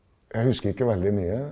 jeg husker ikke veldig mye.